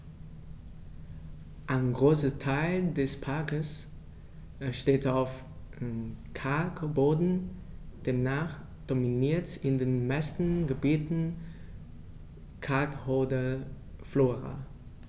Ein Großteil des Parks steht auf Kalkboden, demnach dominiert in den meisten Gebieten kalkholde Flora.